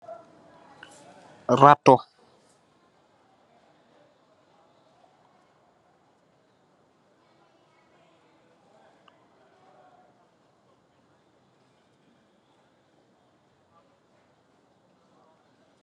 Ratoh